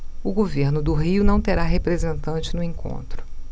o governo do rio não terá representante no encontro